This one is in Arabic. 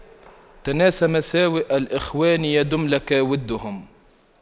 تناس مساوئ الإخوان يدم لك وُدُّهُمْ